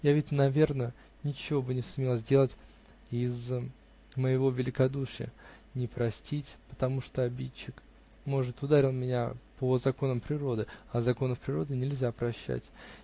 Я ведь, наверно, ничего бы не сумел сделать из моего великодушия: ни простить, потому что обидчик, может, ударил меня по законам природы, а законов природы нельзя прощать